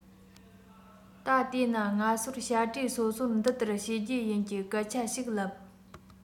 ད དེས ན སྔ སོར བྱ སྤྲེལ སོ སོར འདི ལྟར བྱེད རྒྱུ ཡིན གྱི སྐད ཆ ཞིག ལབ